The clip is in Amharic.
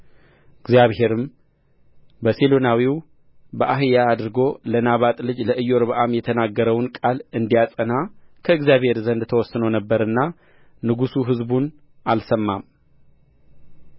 እግዚአብሔርም በሴሎናዊው በአሒያ አድርጎ ለናባጥ ልጅ ለኢዮርብዓም የተናገረውን ቃል እንዲያጸና ከእግዚአብሔር ዘንድ ተወስኖ ነበርና ንጉሡ ሕዝቡን አልሰማም